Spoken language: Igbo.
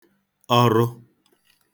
ọrụ